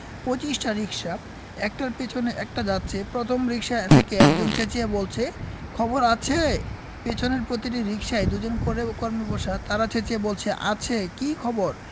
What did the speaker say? পঁচিশটা রিকশা একটার পেছনে একটা যাচ্ছে প্রথম রিকশা থেকে একজন চেঁচিয়ে বলছে খবর আছে পেছনের প্রতিটি রিকশায় দু জন করে কর্মী বসা তাঁরা চেঁচিয়ে বলছে আছে কি খবর